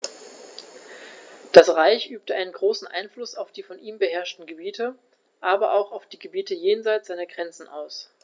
Das Reich übte einen großen Einfluss auf die von ihm beherrschten Gebiete, aber auch auf die Gebiete jenseits seiner Grenzen aus.